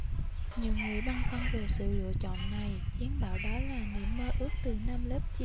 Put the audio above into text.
nhiều người băn khoăn về sự lựa chọn này chiến bảo đó là niềm mơ ước từ năm lớp chín